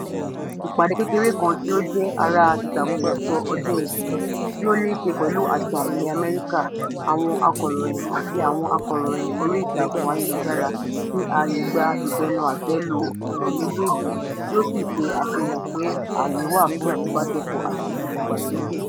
Ìpàdé kékeré kan tí ó jẹ́ ara "ìtakùrọsọ ọjọ́ ẹ̀tì" tí ó ní ṣe pẹ̀lú àṣà ilẹ̀ Amẹ́ríkà láàárín àwọn akọ̀ròyìn àti àwọn akọ̀ròyìn orí ìtàkùn ayélujára fi ààyè gbà ìbẹnu àtẹ́ lu ọ̀nà méjèèjì tí ó sì ṣe àfihàn pé ààyè wà fún ìbáṣepọ̀ àti ìdàgbàsókè.